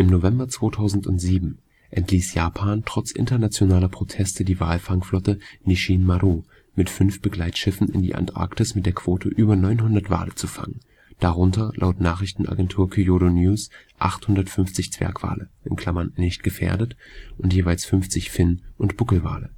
November 2007 entließ Japan trotz internationaler Proteste die Walfangflotte Nisshin Maru mit fünf Begleitschiffen in die Antarktis mit der Quote über 900 Wale zu fangen, darunter laut Nachrichtenagentur Kyodo News 850 Zwergwale (nicht gefährdet) und jeweils 50 Finn - und Buckelwale